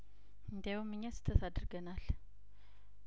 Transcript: እንዲያውም እኛ ስህተት አድርገናል